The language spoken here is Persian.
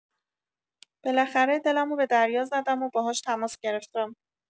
بالاخره دلمو به دریا زدمو باهاش تماس گرفتم.